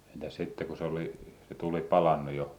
entäs sitten kun se oli se tuli palanut jo